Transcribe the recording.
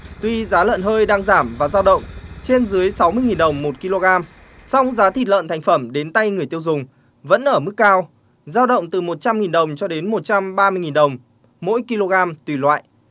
tuy giá lợn hơi đang giảm và dao động trên dưới sáu mươi nghìn đồng một ki lô gam song giá thịt lợn thành phẩm đến tay người tiêu dùng vẫn ở mức cao dao động từ một trăm nghìn đồng cho đến một trăm ba mươi nghìn đồng mỗi ki lô gam tùy loại